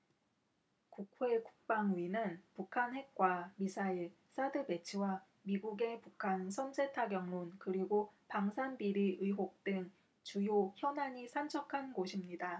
국회 국방위는 북한 핵과 미사일 사드 배치와 미국의 북한 선제타격론 그리고 방산비리 의혹 등 주요 현안이 산적한 곳입니다